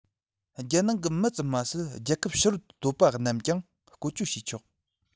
རྒྱལ ནང གི མི ཙམ མ ཟད རྒྱལ ཁབ ཕྱི རོལ དུ སྡོད པ རྣམས ཀྱང བཀོལ སྤྱོད བྱས ཆོག